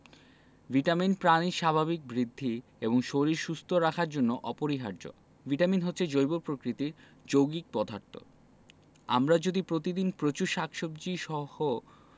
vitamin প্রাণীর স্বাভাবিক বৃদ্ধি এবং শরীর সুস্থ রাখার জন্য অপরিহার্য ভিটামিন হচ্ছে জৈব প্রকৃতির যৌগিক পদার্থ আমরা যদি প্রতিদিন প্রচুর শাকসবজী সহ